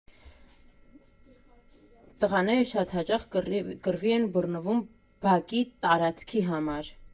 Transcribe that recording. Տղաները շատ հաճախ կռվի էին բռնվում բակի տարածքի համար.